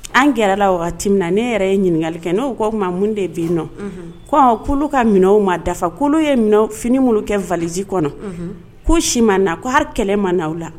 An gɛrɛla lwagati min na , ne yɛrɛ ye ɲininkali kɛ . Ne ko o kuma mun de beyen nɔn kulu ka minɛw ma dafa. Kulu ye fini minnu kɛ valise kɔnɔ ko si ma na . ko hali kelen ma na u la.